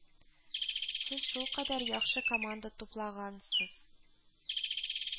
Сез шулкадәр яхшы команда туплагансыз